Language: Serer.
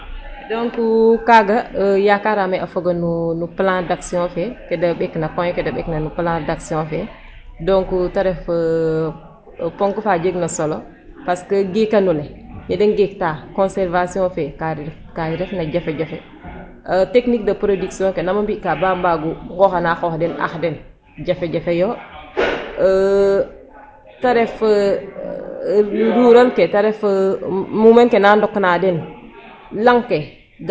Donc kaaga yakaaraam ee a foga no plan d' action fe fe da ɓekna point ke point ke da ɓekna no plan d' action fe donc ta ref poŋk fa jegna solo .Parce que geekand ole yee nee ngeekta conservation ka ref ke refna jafe jafe technique de production ke nam a mbi'kaa ba mbaag o nqooxan a qoox den ax den jafe jafe yo ta ref role ke ta ref muumeen ke naa ndokanaa den lanq ke gaa faible at.